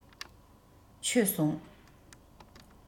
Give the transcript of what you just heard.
མཆོད སོང